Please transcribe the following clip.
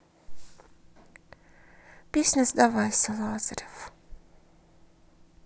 песня сдавайся лазарев